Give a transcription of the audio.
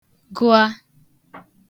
gụa